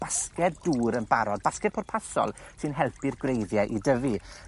basged dŵr yn barod basged pwrpasol sy'n helpu'r gwreiddie i dyfu